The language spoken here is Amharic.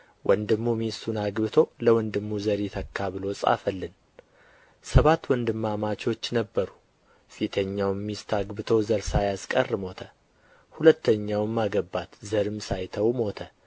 ወንድሙ ሚስቱን አግብቶ ለወንድሙ ዘር ይተካ ብሎ ጻፈልን ሰባት ወንድማማቾች ነበሩ ፊተኛውም ሚስት አግብቶ ዘር ሳያስቀር ሞተ ሁለተኛውም አገባት ዘርም ሳይተው ሞተ